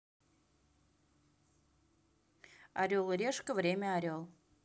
орел и решка время орел